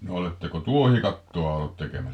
no oletteko tuohikattoa ollut tekemässä